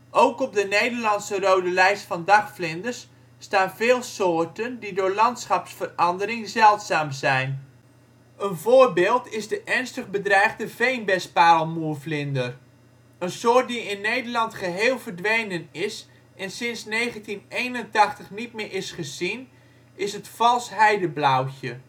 Ook op de Nederlandse rode lijst van dagvlinders staan veel soorten die door landschapsverandering zeldzaam zijn. Een voorbeeld is de ernstig bedreigde veenbesparelmoervlinder. Een soort die in Nederland geheel verdwenen is en sinds 1981 niet meer is gezien, is het vals heideblauwtje